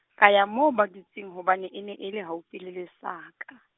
ka ya moo ba dutseng hobane e ne e le haufi le lesaka.